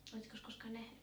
olettekos koskaan nähnyt